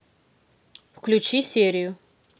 включи серию